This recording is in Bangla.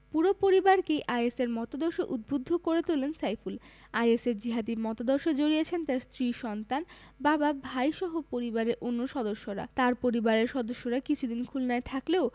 পুরো পরিবারকেই আইএসের মতাদর্শে উদ্বুদ্ধ করে তোলেন সাইফুল আইএসের জিহাদি মতাদর্শে জড়িয়েছেন তাঁর স্ত্রী সন্তান বাবা ভাইসহ পরিবারের অন্য সদস্যরা তাঁর পরিবারের সদস্যরা কিছুদিন খুলনায় থাকলেও